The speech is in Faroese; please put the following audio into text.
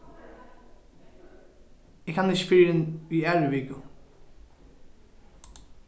eg kann ikki fyrr enn í aðru viku